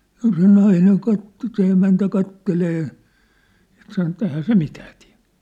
no se nainen katsoi se emäntä katselee ja sanoi että eihän se mitään tee